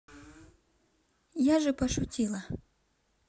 я же пошутила